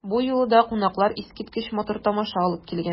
Бу юлы да кунаклар искиткеч матур тамаша алып килгән.